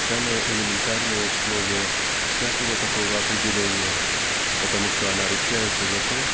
самое элементарное условие всякого такого определения потому. что она ручается за то